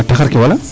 Taxar ke wala